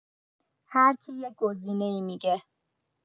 هر کی یک گزینه‌ای می‌گه